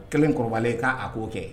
Kelen kɔrɔbalen ka a ko kɛ.